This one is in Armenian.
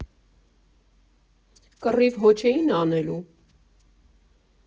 Կռիվ հո չէի՞ն անելու։